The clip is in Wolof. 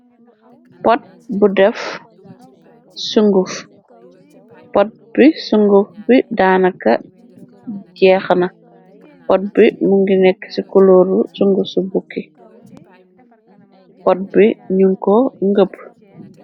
Pot bu def sunguf , Pot bI sunguf bi daana ka jeex na, pot bi mu ngi nekk ci kulooru sungusu bukki, pot bi nu ko ngëpp.